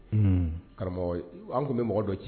Un karamɔgɔ an tun bɛ mɔgɔ dɔ ci